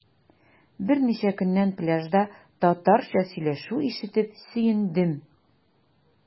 Берничә көннән пляжда татарча сөйләшү ишетеп сөендем.